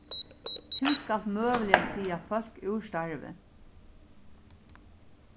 tú skalt møguliga siga fólk úr starvi